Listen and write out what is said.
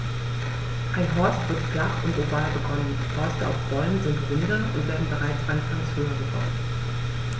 Ein Horst wird flach und oval begonnen, Horste auf Bäumen sind runder und werden bereits anfangs höher gebaut.